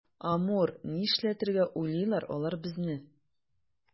Амур, нишләтергә уйлыйлар алар безне?